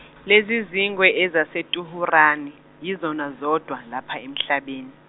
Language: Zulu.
lezizingwe ezaseTuhurani yizona zodwa lapha emhlabeni.